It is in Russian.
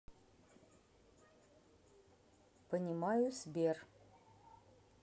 понимаю сбер